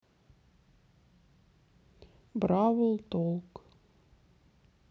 бравл толк